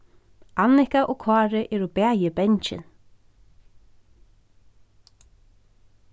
annika og kári eru bæði bangin